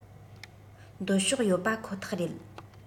འདོད ཕྱོགས ཡོད པ ཁོ ཐག རེད